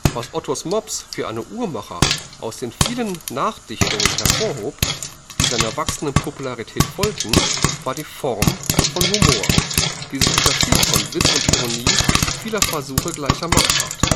Was ottos mops für Anne Uhrmacher aus den vielen Nachdichtungen hervorhob, die seiner wachsenden Popularität folgten, war die Form von Humor, die sich unterschied von Witz und Ironie vieler Versuche gleicher Machart